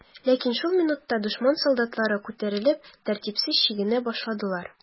Ләкин шул минутта дошман солдатлары күтәрелеп, тәртипсез чигенә башладылар.